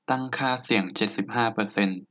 คั้งค่าเสียงเจ็ดสิบห้าเปอร์เซนต์